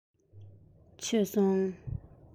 མཆོད སོང